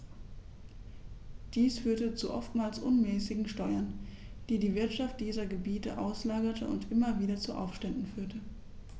Dies führte zu oftmals unmäßigen Steuern, die die Wirtschaft dieser Gebiete auslaugte und immer wieder zu Aufständen führte.